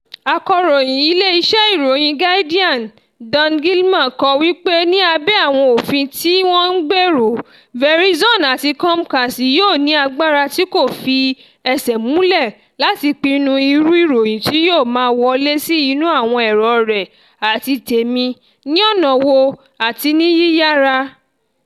Akọ̀ròyìn ilé iṣẹ́ ìròyìn Guardian Dan Gillmor kọ wí pé ní abẹ́ àwọn òfin tí wọ́n ń gbèrò, "Verizon àti Comcast yóò ní agbára tí kò fi ẹsẹ̀ múlẹ̀ láti pinnu irú ìròyìn tí yóò máa wọlé sí inú àwọn ẹ̀rọ rẹ àti tèmi, ní ọ̀nà wo àti ní yíyára."